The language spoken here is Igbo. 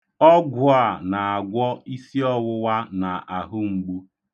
Ọgwụ a na-agwọ isiọwụwa na ahụmgbu.